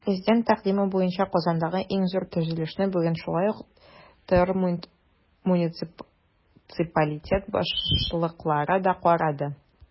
Президент тәкъдиме буенча Казандагы иң зур төзелешне бүген шулай ук ТР муниципалитет башлыклары да карады.